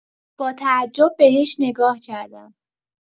با تعجب بهش نگاه کردم